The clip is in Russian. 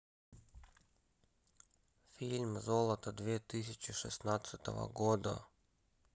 фильм золото две тысячи шестнадцатого года